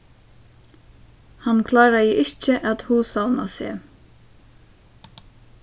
hann kláraði ikki at hugsavna seg